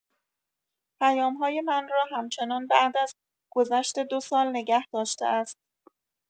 پیام‌های من را همچنان بعد از گذشت دو سال نگه داشته است.